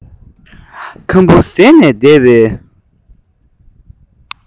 ཁམ བུ ཟས ནས བསྡད པའི